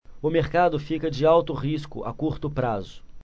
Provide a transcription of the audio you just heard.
o mercado fica de alto risco a curto prazo